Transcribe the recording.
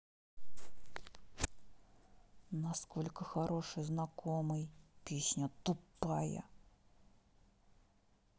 насколько хороший знакомый песня тупая